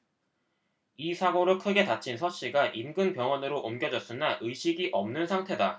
이 사고로 크게 다친 서씨가 인근 병원으로 옮겨졌으나 의식이 없는 상태다